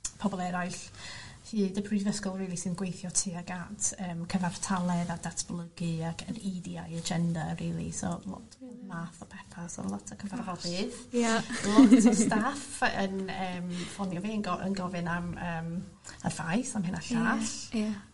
pobol eraill hyd y prifysgol rili sy'n gweithio tuag at yym cyfartaledd a datblygu ag 'yn Ee Dee Eye agenda rili so lot pob math o petha so lot o cyfarfodydd. Gosh ia. Lot o staff yn yym ffonio fi yn go- yn gofyn am yym yr faith am hyn a'r all. Ia ia.